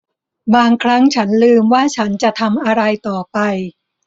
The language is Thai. บางครั้งฉันลืมว่าฉันจะทำอะไรต่อไป